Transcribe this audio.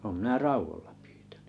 olen minä raudoilla pyytänyt